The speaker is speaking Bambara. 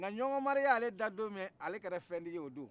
nka ɲɔngɔn mari y'ale dan don min ale kɛra fɛntigi ye o don